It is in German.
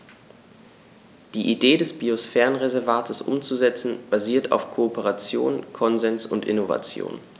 Die Idee des Biosphärenreservates umzusetzen, basiert auf Kooperation, Konsens und Innovation.